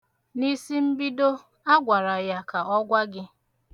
N'isimbido, agwara ya ka ọ gwa gị.